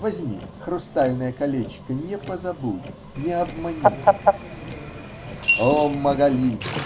Возьми хрустальное колечко -- не позабудь, -- не обмани. "-- "О, Магали!